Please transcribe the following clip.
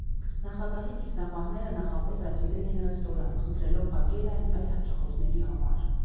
Նախագահի թիկնապահները նախապես այցելել էին ռեստորան՝ խնդրելով փակել այն այլ հաճախորդների համար։